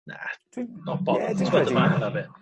na dwi'n not bothered t'bod y math yna o beth?